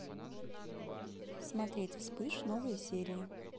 смотреть вспыш новые серии